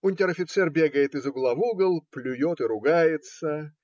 Унтер-офицер бегает из угла в угол, плюет и ругается.